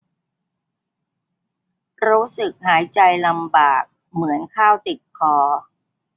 รู้สึกหายใจลำบากเหมือนข้าวติดคอ